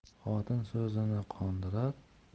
xotin so'zini qondirar